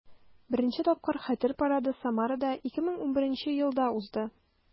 Беренче тапкыр Хәтер парады Самарада 2011 елда узды.